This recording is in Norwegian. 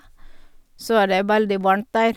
Så er det veldig varmt der.